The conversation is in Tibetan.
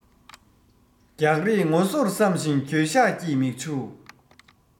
རྒྱག རེས ངོ གསོར བསམ ཞིང འགྱོད ཤགས ཀྱི མིག ཆུ